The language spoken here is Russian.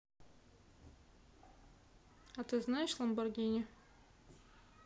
а ты знаешь ламборгини